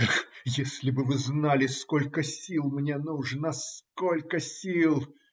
- Эх, если бы вы знали, сколько сил мне нужно, сколько сил!